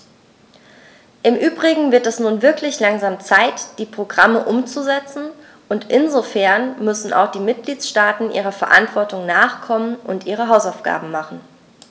Im übrigen wird es nun wirklich langsam Zeit, die Programme umzusetzen, und insofern müssen auch die Mitgliedstaaten ihrer Verantwortung nachkommen und ihre Hausaufgaben machen.